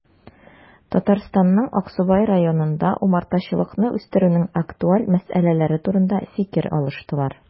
Татарстанның Аксубай районында умартачылыкны үстерүнең актуаль мәсьәләләре турында фикер алыштылар